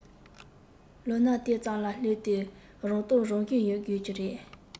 ལོ ན དེ ཙམ ལ སླེབས དུས རང རྟོགས རང བཞིན ཡོད དགོས ཀྱི རེད